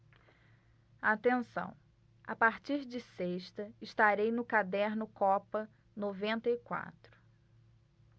atenção a partir de sexta estarei no caderno copa noventa e quatro